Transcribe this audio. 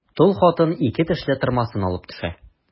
Тол хатын ике тешле тырмасын алып төшә.